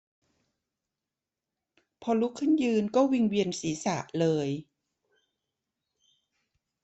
พอลุกขึ้นยืนก็วิงเวียนศีรษะเลย